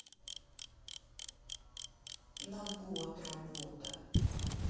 на год работа